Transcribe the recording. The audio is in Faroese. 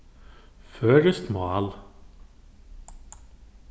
føroyskt mál